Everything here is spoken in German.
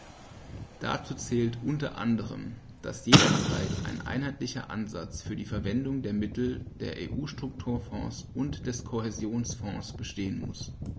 Dazu zählt u. a., dass jederzeit ein einheitlicher Ansatz für die Verwendung der Mittel der EU-Strukturfonds und des Kohäsionsfonds bestehen muss.